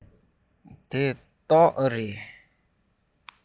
འདི སྟག རེད པས